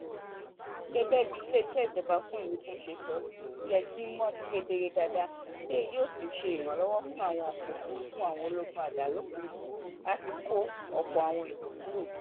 Gẹ́gẹ́ bí ilé-iṣẹ́ ìjọba fún Ìwífún ṣe sọ, ilẹ̀ ti ń mọ́ kedere dáadáa tí èyí yóò sì ṣe ìrànlọ́wọ́ fún àwọn ọkọ̀ òfurufú àwọn ológun ajàlófurufú láti kó ọ̀pọ̀ àwọn èèyàn kúrò.